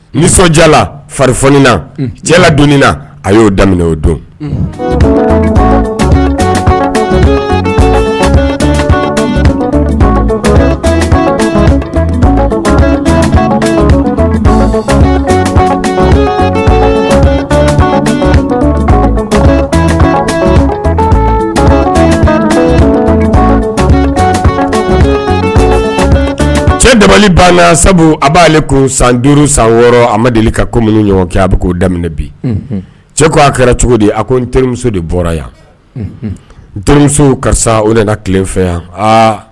Nisɔndiyala fari fin cɛ la don a y'o daminɛ o don cɛ dabali banna sabu a b'aale kun san duuru san wɔɔrɔ a ma deli ka ko minnu ɲɔgɔn kɛ a bɛ k'o daminɛ bi cɛ ko a kɛra cogo di a ko n terimuso de bɔra yan n terimuso karisa o de tile fɛ yan